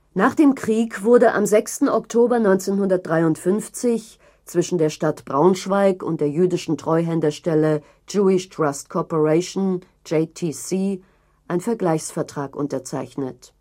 Nach dem Krieg wurde am 6. Oktober 1953 zwischen der Stadt Braunschweig und der jüdischen Treuhänderstelle Jewish Trust Corporation (JTC) ein Vergleichsvertrag unterzeichnet